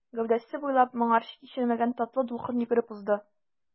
Гәүдәсе буйлап моңарчы кичермәгән татлы дулкын йөгереп узды.